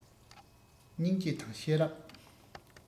སྙིང རྗེ དང ཤེས རབ